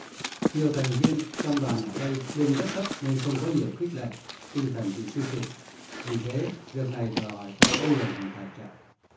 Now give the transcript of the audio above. nhiều thành viên trong đoàn ở đây lương rất thấp nên không có nhiều khích lệ tinh thần bị suy sụp vì thế việc này đòi hỏi phải có nhiều nguồn tài trợ